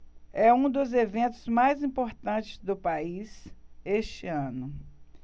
é um dos eventos mais importantes do país este ano